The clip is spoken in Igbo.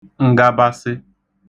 ngabasị